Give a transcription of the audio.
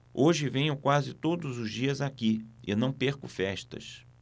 hoje venho quase todos os dias aqui e não perco festas